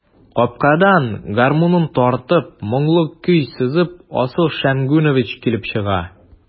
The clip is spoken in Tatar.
Капкадан, гармунын тартып, моңлы көй сызып, Асыл Шәмгунович килеп чыга.